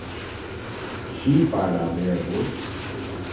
skiparavegur